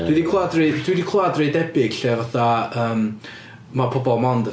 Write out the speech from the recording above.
Dwi 'di clywed rhai... Dwi 'di clywed rhai debyg lle fatha yym ma' pobl mond yn...